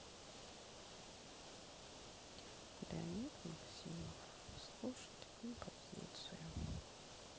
леонид максимов слушать композицию